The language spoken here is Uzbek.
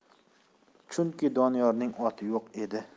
chunki doniyorning oti yo'q edi